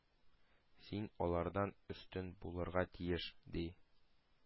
Син алардан өстен булырга тиеш!“ — ди.